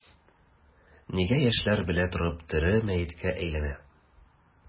Нигә яшьләр белә торып тере мәеткә әйләнә?